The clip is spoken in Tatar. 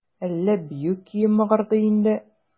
Әллә бию көе мыгырдый инде?